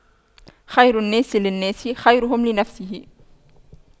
خير الناس للناس خيرهم لنفسه